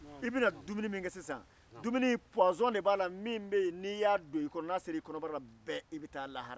i bɛna dumuni min ke sisan pɔsɔnin de b'a la n'i ya dun i bɛ taa lahara